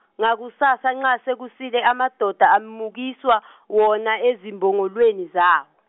ngakusasa nxa sekusile amadoda amukiswa wona ezimbongolweni zawo.